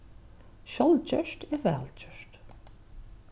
sjálvgjørt er væl gjørt